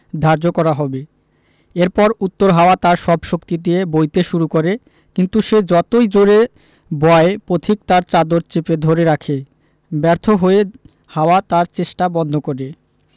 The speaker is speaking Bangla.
ধার্য করা হবে এরপর উত্তর হাওয়া তার সব শক্তি দিয়ে বইতে শুরু করে কিন্তু সে যতই জোড়ে বয় পথিক তার চাদর চেপে ধরে রাখে ব্যর্থ হয়ে হাওয়া তার চেষ্টা বন্ধ করে